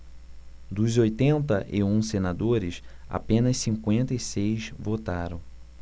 dos oitenta e um senadores apenas cinquenta e seis votaram